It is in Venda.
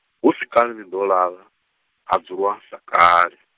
hu si kale ḽi ḓo lala, ha dzulwa sa kale.